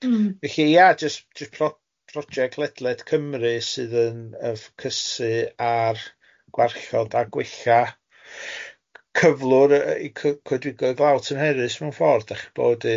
Felly ia jyst jyst pro- project ledled Cymru sydd yn yy ffocysu ar gwarchod a gwella cyflwr yy i c- coedwigo i glaw tynherys mewn ffordd dach chi'n gwybo 'dyn.